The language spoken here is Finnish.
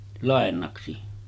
lainaksi